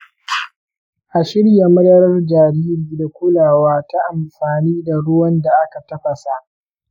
a shirya madarar jariri da kulawa ta amfani da ruwan da aka tafasa.